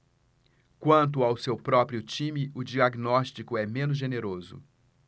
quanto ao seu próprio time o diagnóstico é menos generoso